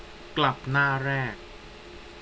กลับหน้าแรก